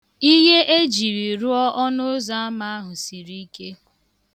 Ihe ejiri rụọ ọnụzaama ahụ siri ike.